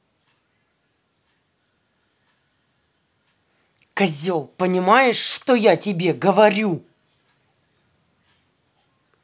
козел понимаешь что я тебе говорю